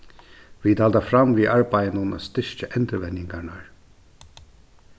vit halda fram við arbeiðinum at styrkja endurvenjingarnar